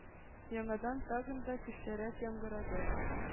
Яңадан тагы да көчлерәк яңгырады.